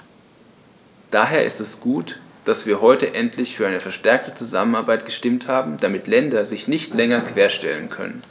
Daher ist es gut, dass wir heute endlich für eine verstärkte Zusammenarbeit gestimmt haben, damit gewisse Länder sich nicht länger querstellen können.